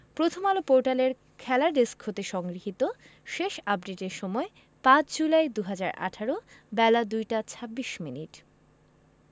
প্রথমআলো পোর্টালের খেলা ডেস্ক হতে সংগৃহীত শেষ আপডেটের সময় ৫ জুলাই ২০১৮ বেলা ২টা ২৬মিনিট